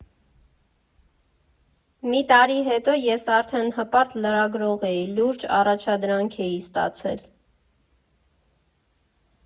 Մի տարի հետո ես արդեն հպարտ լրագրող էի, լուրջ առաջադրանք էի ստացել.